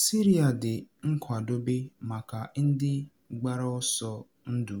Syria ‘dị nkwadobe’ maka ndị gbara ọsọ ndụ